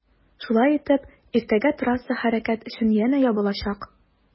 Шулай итеп иртәгә трасса хәрәкәт өчен янә ябылачак.